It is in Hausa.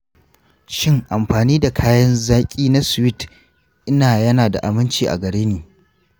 shin amfani da kayan zaƙi na sweet ina yana da aminci a gare ni?